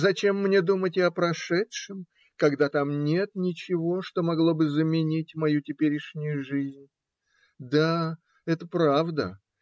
Зачем мне думать и о прошедшем, когда там нет ничего, что могло бы заменить мою теперешнюю жизнь? Да, это правда.